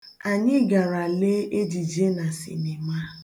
Anyi gara lee ejije na sinima